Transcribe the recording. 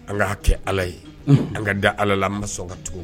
An ka kɛ Ala ye unhun an ka da Ala la an ma sɔn ka tugun